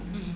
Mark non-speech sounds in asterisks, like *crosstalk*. *hesitation* *hesitation*